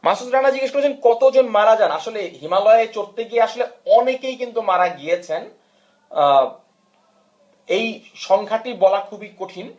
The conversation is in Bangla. মাসুদ রানা জিজ্ঞেস করেছেন কতজন মারা যান আসলে হিমালয় চড়তে গিয়ে আসলে অনেকেই কিন্তু মারা গিয়েছেন এই সংখ্যাটি বলা খুবই কঠিন